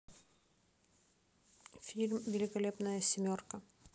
фильм великолепная семерка